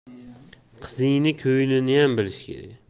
qizingni ko'ngliniyam bilish kerak